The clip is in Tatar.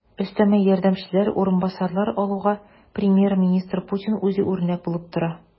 Өстәмә ярдәмчеләр, урынбасарлар алуга премьер-министр Путин үзе үрнәк булып тора.